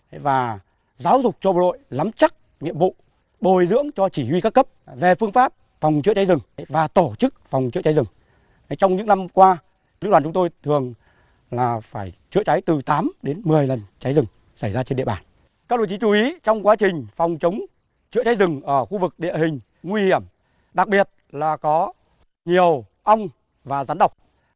và giáo dục cho bộ đội nắm chắc nhiệm vụ bồi dưỡng cho chỉ huy các cấp về phương pháp phòng chữa cháy rừng và tổ chức phòng chữa cháy rừng trong những năm qua lữ đoàn chúng tôi thường là phải chữa cháy từ tám đến mười lần cháy rừng xảy ra trên địa bàn các đồng chí chú ý trong quá trình phòng chống chữa cháy rừng ở khu vực địa hình nguy hiểm đặc biệt là có nhiều ong và rắn độc